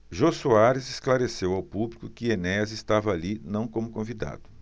jô soares esclareceu ao público que enéas estava ali não como convidado